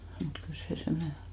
mutta kyllä se semmoinen on